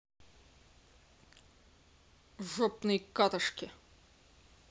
жопные катышки